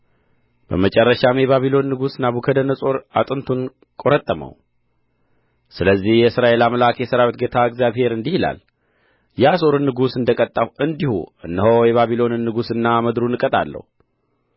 በመጨረሻም የባቢሎን ንጉሥ ናቡከደነፆር አጥንቱን ቈረጠመው ስለዚህ የእስራኤል አምላክ የሠራዊት ጌታ እግዚአብሔር እንዲህ ይላል የአሦርን ንጉሥ እንደ ቀጣሁ እንዲሁ እነሆ የባቢሎንን ንጉሥና ምድሩን እቀጣለሁ